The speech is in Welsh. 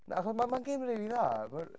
Na, achos ma' ma'n gêm rili dda mae'n